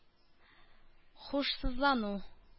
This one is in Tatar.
Һушсызлану